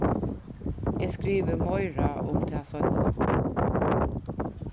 eg skrivi meira um tað seinni